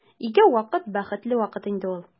Икәү вакыт бәхетле вакыт инде ул.